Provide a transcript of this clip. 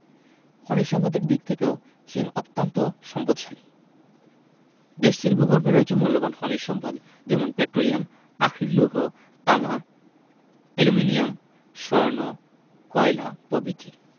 খনিজ সম্পদের দিক থেকেও চীন অত্যান্ত সম্পদশালী দেশটির ভূগর্ভে রয়েছে মুল্যবান খনিজ সম্পদ যেমন পেট্টোলিয়াম আকরিক লৌহ তামা অ্যালুমিনিয়াম স্বর্ণ কয়লা পভিতি